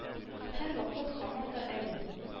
Һәрвакыт һаман да әле